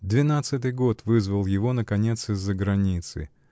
Двенадцатый год вызвал его, наконец, из-за границы.